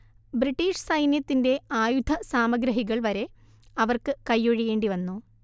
British സൈന്യത്തിന്റെ ആയുധസാമഗ്രഹികൾ വരെ അവർക്ക് കൈയ്യൊഴിയേണ്ടി വന്നു